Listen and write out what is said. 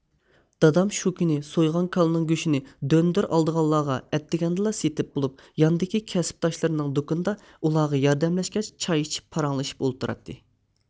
دادام شۇ كۈنى سويغان كالىنىڭ گۆشىنى دۆندۈر ئالدىغانلارغا ئەتىگەندىلا سېتىپ بولۇپ ياندىكى كەسىپداشلىرىنىڭ دۇكىنىدا ئۇلارغا ياردەملەشكەچ چاي ئىچىپ پاراڭلىشىپ ئولتۇراتتى